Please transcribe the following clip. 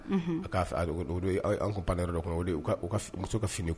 A'a ban dɔ muso ka fini